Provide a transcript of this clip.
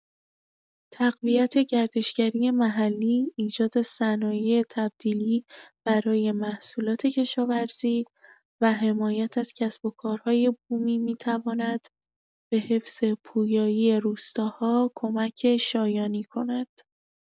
تقویت گردشگری محلی، ایجاد صنایع تبدیلی برای محصولات کشاورزی و حمایت از کسب‌وکارهای بومی می‌تواند به حفظ پویایی روستاها کمک شایانی کند.